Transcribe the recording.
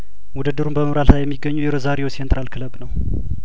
ውድድሩን በመምራት ላይ የሚገኘው የሮዛሪዮ ሴንት ራል ክለብ ነው